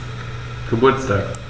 Geburtstag